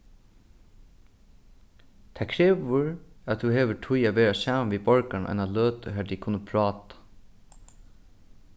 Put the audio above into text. tað krevur at tú hevur tíð at vera saman við borgaranum eina løtu har tit kunnu práta